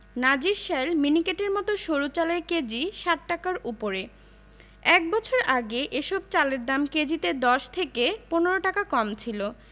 নাজিরশাইল মিনিকেটের মতো সরু চালের কেজি ৬০ টাকার ওপরে এক বছর আগে এসব চালের দাম কেজিতে ১০ থেকে ১৫ টাকা কম ছিল